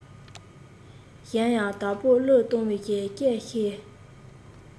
གཞན ཡང དགའ པོའི གླུ གཏོང བའི སྐད ཤེད